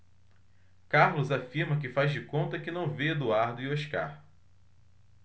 carlos afirma que faz de conta que não vê eduardo e oscar